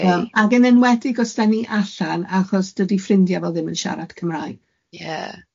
Wel ag yn enwedig os dan ni allan achos dydi ffrindiau fo ddim yn siarad Cymraeg. Ie.